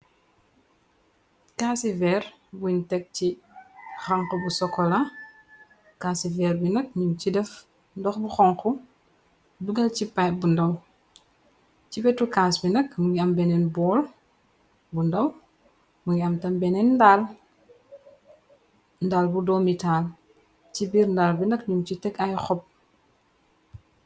Kaasi veer bunj teg ci xanxa bu sokola, kaasi veer bi nag mung ci def ndox bu xonxu, dugal ci payib bu ndaw, ci wetu kaas bi nak mungi am beneen bool bu ndaw, mungi am tam beneen ndaal, ndaal bu domitaal, ci biir ndaal bi nak nyun ci teg ay xob.